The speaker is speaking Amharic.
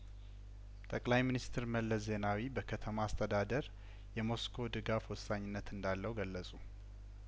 ጠቅላይ ሚኒስትር መለስ ዜናዊ በከተማ አስተዳደር የሞስኮ ድጋፍ ወሳኝነት እንዳለው ገለጹ